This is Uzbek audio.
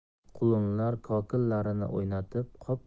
qulunlar kokillarini o'ynatib qop